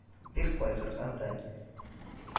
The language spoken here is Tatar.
Бик кайгырган да